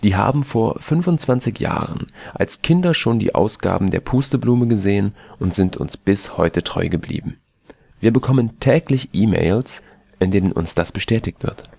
haben vor 25 Jahren als Kinder schon die Ausgaben der ‚ Pusteblume ‘gesehen und sind uns bis heute treu geblieben. Wir bekommen täglich E-Mails, in denen uns das bestätigt wird